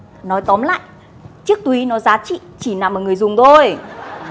nói tóm lại chiếc túi ý nó giá trị chỉ nằm ở người dùng thôi